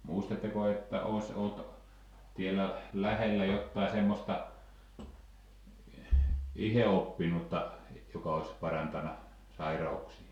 muistatteko että olisi ollut täällä lähellä jotakin semmoista itseoppinutta joka olisi parantanut sairauksia